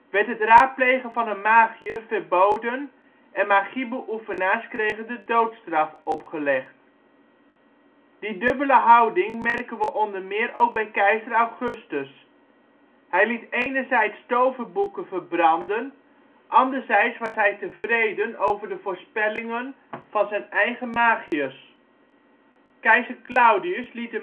werd het raadplegen van een magiër verboden en magiebeoefenaars kregen de doodstraf opgelegd. Die dubbele houding merken we onder meer ook bij keizer Augustus. Hij liet enerzijds toverboeken verbrandden, anderzijds was hij tevreden over de voorspellingen van zijn eigen magiërs. Keizer Claudius liet